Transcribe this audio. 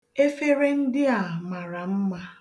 Efere ndị a mara mma.